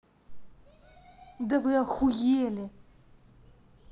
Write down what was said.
да вы охуели